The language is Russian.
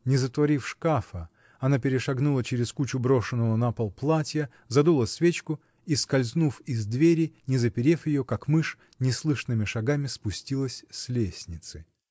Не затворив шкафа, она перешагнула через кучу брошенного на пол платья, задула свечку и, скользнув из двери, не заперев ее, как мышь, неслышными шагами спустилась с лестницы.